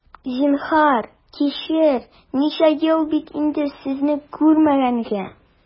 Зинһар, кичер, ничә ел бит инде сезне күрмәгәнгә!